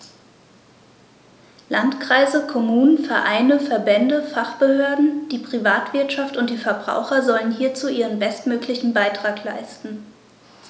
Landkreise, Kommunen, Vereine, Verbände, Fachbehörden, die Privatwirtschaft und die Verbraucher sollen hierzu ihren bestmöglichen Beitrag leisten.